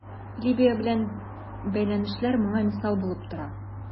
Либия белән бәйләнешләр моңа мисал булып тора.